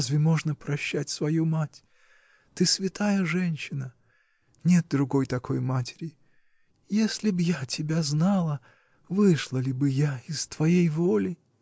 разве можно прощать свою мать? Ты святая женщина! Нет другой такой матери. Если б я тебя знала. вышла ли бы я из твоей воли?.